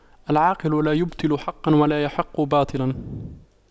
العاقل لا يبطل حقا ولا يحق باطلا